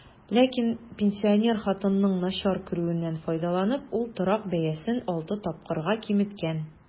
Ләкин, пенсинер хатынның начар күрүеннән файдаланып, ул торак бәясен алты тапкырга киметкән.